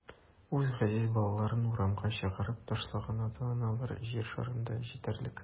Үз газиз балаларын урамга чыгарып ташлаган ата-аналар җир шарында җитәрлек.